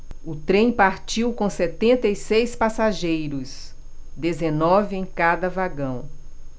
o trem partiu com setenta e seis passageiros dezenove em cada vagão